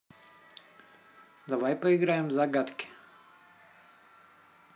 давай поиграем в загадки